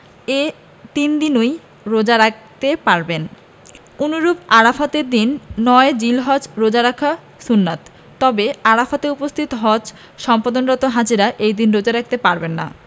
এই তিন দিনও রোজা রাখতে পারবেন অনুরূপ আরাফাতের দিন ৯ জিলহজ রোজা রাখা সুন্নাত তবে আরাফাতে উপস্থিত হজ সম্পাদনরত হাজিরা এই দিন রোজা রাখতে পারবেন না